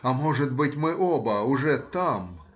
А может быть, мы оба уже там?.